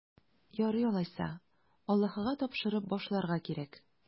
Ярый алайса, Аллаһыга тапшырып башларга кирәк.